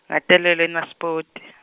ngatalelwa eNaspoti.